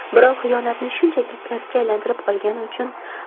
birov xiyonatni shunchaki kasbga aylantirib olgani uchun